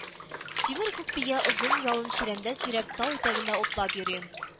Тимер күк бия озын ялын чирәмдә сөйрәп тау итәгендә утлап йөри